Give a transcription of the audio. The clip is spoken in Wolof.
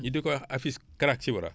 ñu di ko wax *